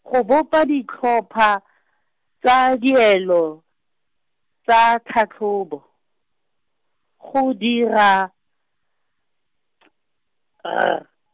go bopa ditlhopha , tsa dielo, tsa tlhatlhobo, go dira, R.